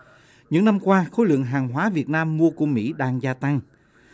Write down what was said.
những năm qua khối lượng hàng hóa việt nam mua của mỹ đang gia tăng